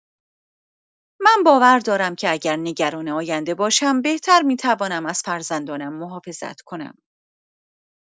من باور دارم که اگر نگران آینده باشم، بهتر می‌توانم از فرزندانم محافظت کنم.